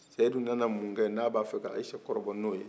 sedu nana mun kɛ n'a b'a fɛ ka ayise kɔrɔbɔ n'o ye